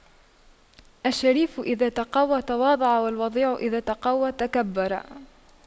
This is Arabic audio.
الشريف إذا تَقَوَّى تواضع والوضيع إذا تَقَوَّى تكبر